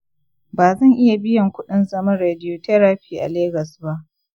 ba zan iya biyan kuɗin zaman radiotherapy a legas ba.